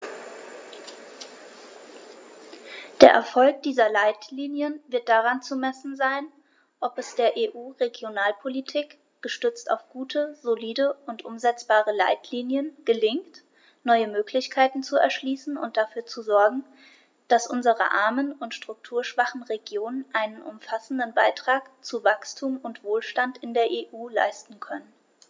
Der Erfolg dieser Leitlinien wird daran zu messen sein, ob es der EU-Regionalpolitik, gestützt auf gute, solide und umsetzbare Leitlinien, gelingt, neue Möglichkeiten zu erschließen und dafür zu sorgen, dass unsere armen und strukturschwachen Regionen einen umfassenden Beitrag zu Wachstum und Wohlstand in der EU leisten können.